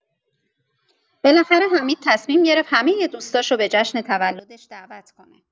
بلاخره حمید تصمیم گرفت همه دوستاشو به جشن تولدش دعوت کنه.